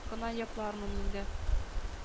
Гына йоклармын инде